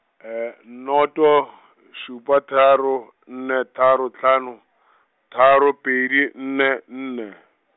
noto šupa tharo, nne tharo hlano , tharo pedi nne nne .